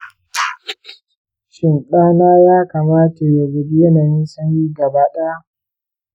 shin ɗana ya kamata ya guji yanayin sanyi gaba ɗaya?